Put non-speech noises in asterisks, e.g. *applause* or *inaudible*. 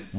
*hesitation* *hesitation*